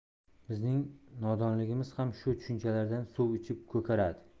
bizning nodonligimiz ham shu tushunchalardan suv ichib ko'karadi